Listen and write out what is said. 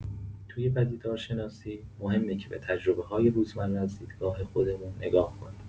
توی پدیدارشناسی، مهمه که به تجربه‌های روزمره از دیدگاه خودمون نگاه کنیم.